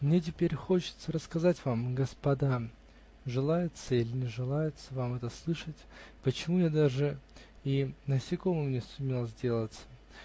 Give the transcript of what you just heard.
Мне теперь хочется рассказать вам, господа, желается иль не желается вам это слышать, почему я даже и насекомым не сумел сделаться.